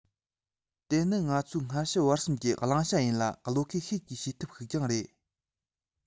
དེ ནི ང ཚོའི སྔ ཕྱི བར གསུམ གྱི བླང བྱ ཡིན ལ བློས འཁེལ ཤོས ཀྱི བྱེད ཐབས ཤིག ཀྱང རེད